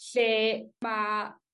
Lle ma'